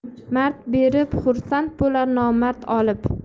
mard berib xursand bo'lar nomard olib